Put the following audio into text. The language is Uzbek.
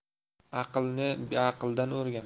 aqlni beaqldan o'rgan